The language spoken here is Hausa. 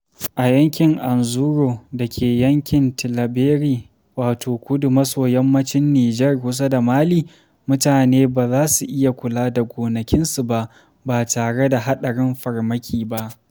A yankin Anzourou, da ke yankin Tillabéri [kudu maso yammacin Nijar, kusa da Mali], mutane ba za su iya kula da gonakinsu ba, ba tare da haɗarin farmaki ba.